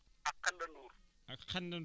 yamb ah yamb nga wax